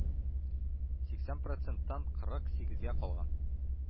Сиксән проценттан кырык сигезгә калган.